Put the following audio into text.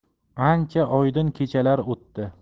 ancha oydin kechalar o'tdi